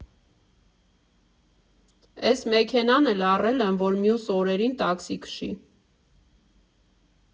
Էս մեքենան էլ առել եմ, որ մյուս օրերին տաքսի քշի։